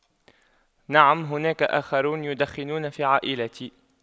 نعم هناك آخرون يدخنون في عائلتي